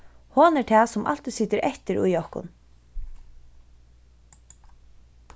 hon er tað sum altíð situr eftir í okkum